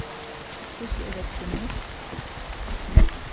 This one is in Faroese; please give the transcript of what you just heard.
hvussu er veðrið nú